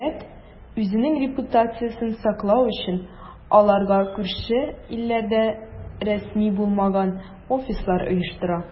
Дәүләт, үзенең репутациясен саклау өчен, аларга күрше илләрдә рәсми булмаган "офислар" оештыра.